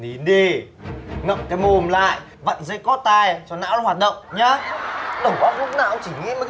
nín đi ngậm cái mồm lại vặn dây cót tai cho não nó hoạt động nhớ đầu óc lúc nào cũng chỉ nghĩ đến